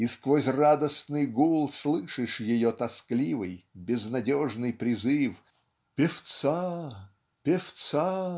и сквозь радостный гул слышишь ее тоскливый безнадежный призыв певца! певца!".